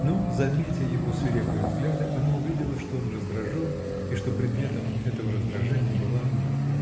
Но, заметя его свирепые взгляды, она увидела, что он раздражен и что предметом этого раздражения была она.